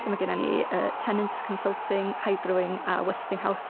So mae gennyn ni yy Tenant Consulting, HydroWing, a Weston House.